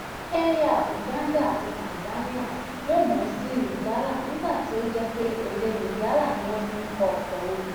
Ní Kenya, Uganda, àti Tanzania wọ́n mọ̀ ọ́ sí Lingala nígbà tí ó jẹ́ pé èdè Lingala ní wọ́n fi ń kọ ọ̀pọ̀ orin.